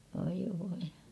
oi voi